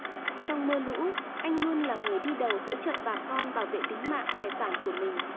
trong mưa lũ anh luôn là người đi đầu hỗ trợ bà con bảo vệ tính mạng tài sản của mình